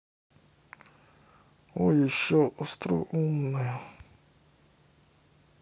о еще остроумная